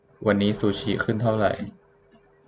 วันนี้ซูชิขึ้นเท่าไหร่